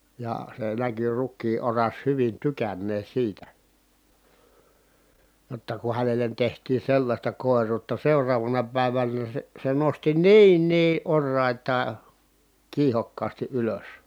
ja se näkyi rukiin oras hyvin tykänneen siitä jotta kun hänelle tehtiin sellaista koiruutta seuraavana päivänä se se nosti niin niin oraitaan kiihokkaasti ylös